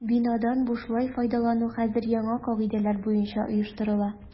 Бинадан бушлай файдалану хәзер яңа кагыйдәләр буенча оештырыла.